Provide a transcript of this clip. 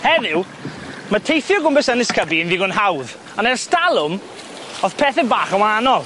Heddiw ma' teithio gwmpas Ynys Cybi yn ddigon hawdd on' estalwm o'dd pethe bach yn wahanol.